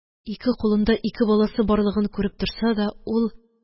Ике кулында ике баласы барлыгын күреп торса да, ул